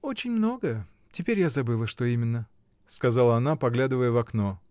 — Очень многое; теперь я забыла, что именно, — сказала она, поглядывая в окно.